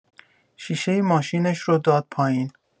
شیشه ماشینش رو داد پایین